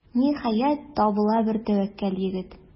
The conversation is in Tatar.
Ниһаять, табыла бер тәвәккәл егет.